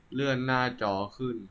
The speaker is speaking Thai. เลื่อนหน้าจอขึ้น